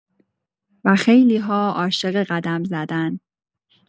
و خیلی‌ها عاشق قدم زدن